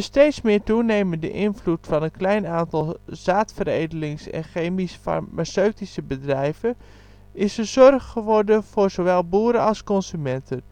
steeds meer toenemende invloed van een klein aantal zaadveredelings - en chemisch-farmaceutische bedrijven is een zorg geworden voor zowel boeren als consumenten